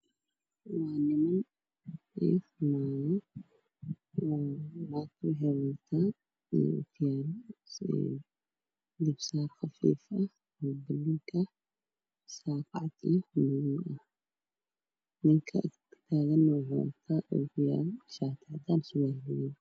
Waa niman iyo naago. Naag waxay wadataa ookiyaalo iyo garbasaar qafiif ah oo buluug ah iyo saako cadaan iyo buluug ah. Ninka taagan waxuu wataa ookiyaalo, shaati cadaan iyo surwaal madow ah.